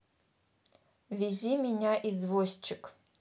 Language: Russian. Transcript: вези меня извозчик